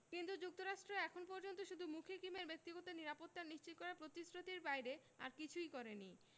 কিন্তু যুক্তরাষ্ট্র এখন পর্যন্ত শুধু মুখে কিমের ব্যক্তিগত নিরাপত্তা নিশ্চিত করার প্রতিশ্রুতির বাইরে আর কিছুই করেনি